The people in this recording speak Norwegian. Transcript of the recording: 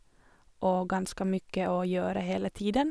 Og ganske mye å gjøre hele tiden.